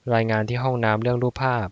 รายงานที่ห้องน้ำเรื่องรูปภาพ